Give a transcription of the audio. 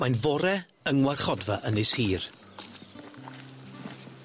Mae'n fore yng ngwarchodfa Ynys Hir.